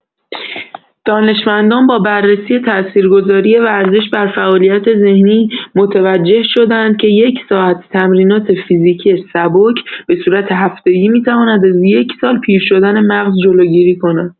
دانشمندان با بررسی تاثیرگذاری ورزش بر فعالیت ذهنی متوجه شده‌اند که یک ساعت تمرینات فیزیکی سبک به صورت هفتگی می‌تواند از یک سال پیر شدن مغز جلوگیری کند.